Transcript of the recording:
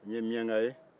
n ye miyanka ye